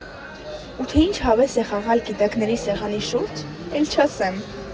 Ու թե ինչ հավես է խաղալ գիտակների սեղանի շուրջ՝ էլ չասեմ։